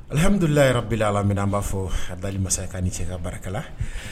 Alihamdulilahi rabilalamina an b'a fɔ an dali masa ye k'a ni cɛ k'a barakala